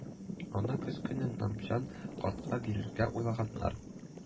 Аны көз көне Намаҗан картка бирергә уйлаганнар